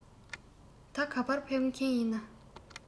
ད ག པར ཕེབས མཁན ཡིན ན